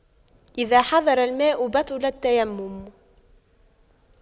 إذا حضر الماء بطل التيمم